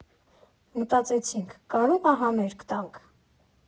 Մտածեցինք՝ կարո՞ղ ա համերգ տանք։